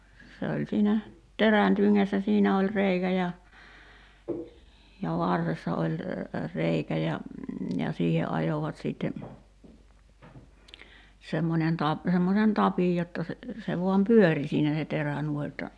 se oli siinä terän tyngässä siinä oli reikä ja ja varressa oli reikä ja ja siihen ajoivat sitten semmoinen - semmoisen tapin jotta se se vain pyöri siinä se terä noin jotta